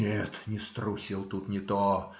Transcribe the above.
- Нет, не струсил; тут не то.